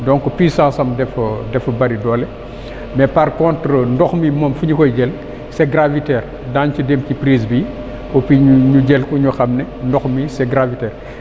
donc puissance am dafa dafa bëri doole mais par contre ndox mi moom fi ñu koy jëlee c' est gravitaire daañu ci dem ci prise bi pour que ñu jël ko ñu xam ne ndox mi c' est gravitaire